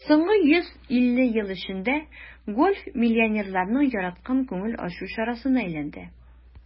Соңгы 150 ел эчендә гольф миллионерларның яраткан күңел ачу чарасына әйләнде.